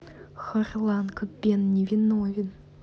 харлан кобен невиновен